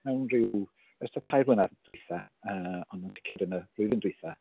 Mewn ryw... yn ystod y tair blynedd dwytha yy ond yn sicr yn y flwyddyn dwytha